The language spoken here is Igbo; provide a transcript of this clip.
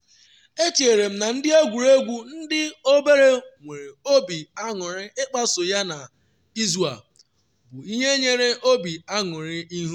“Echere m na ndị egwuregwu ndị obere nwere obi anụrị ịkpasu ya n’izu a, bụ ihe nyere obi anụrị ịhụ.